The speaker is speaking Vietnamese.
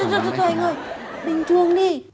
thôi thôi anh ơi bình thường đi